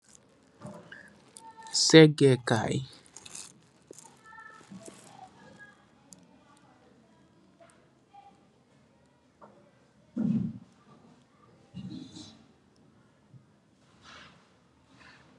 Segeh kaay .